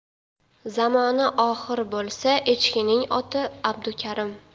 zamona oxir bo'lsa echkining oti abdukarim